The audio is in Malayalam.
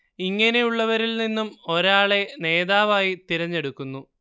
ഇങ്ങനെയുള്ളവരിൽ നിന്നും ഒരാളെ നേതാവായി തിരഞ്ഞെടുക്കുന്നു